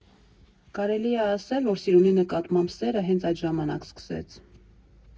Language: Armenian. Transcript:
Կարելի ա ասել, որ սիրունի նկատմամբ սերը հենց այդ ժամանակ սկսեց։